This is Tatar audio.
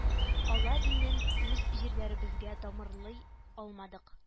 Алла динен үз җирлегебезгә тамырлый алмадык